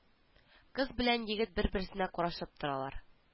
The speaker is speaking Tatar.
Кыз белән егет бер-берсенә карашып торалар